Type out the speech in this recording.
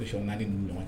Ni' ɲɔgɔn cɛ